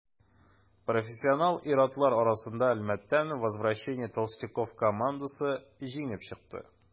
Профессионал ир-атлар арасында Әлмәттән «Возвращение толстяков» командасы җиңеп чыкты.